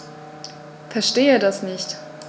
Verstehe das nicht.